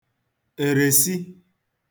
èrèsi